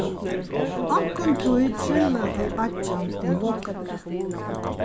onkuntíð trilla tey beiggjan í vogni